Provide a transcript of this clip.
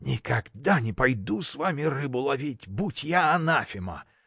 – Никогда не пойду с вами рыбу ловить, будь я анафема!